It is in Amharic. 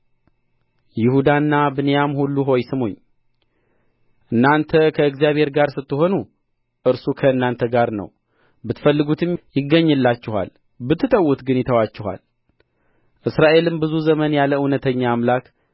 ይሁዳና ብንያም ሁሉ ሆይ ስሙኝ እናንተ ከእግዚአብሔር ጋር ስትሆኑ እርሱ ከእናንተ ጋር ነው ብትፈልጉትም ይገኝላችኋል ብትተዉት ግን ይተዋችኋል እስራኤልም ብዙ ዘመን ያለ እውነተኛ አምላክ